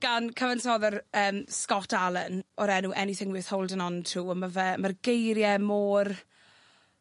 gan cyfansoddwr yym Scott Allan o'r enw Anything Worth Holding on to a ma' fe ma'r geirie mor